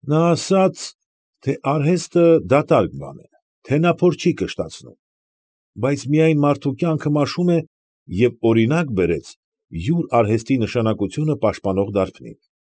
Նա ասաց, թե արհեստը դատարկ բան է, թե նա փոր չի կշտացնում, բայց միայն մարդու կյանքը մաշում է և օրինակ բերեց նույնիսկ յուր արհեստի նշանակությունը պաշտպանող դարբնին։ ֊